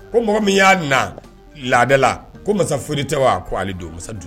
Ko mɔgɔ min y'a na laadala ko masa foyi tɛ wa ko ale don masa